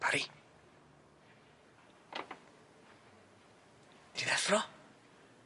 Bari? Ti'n effro?